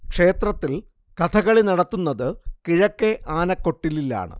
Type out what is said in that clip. ക്ഷേത്രത്തിൽ കഥകളി നടത്തുന്നത് കിഴക്കേ ആനക്കൊട്ടിലിലാണ്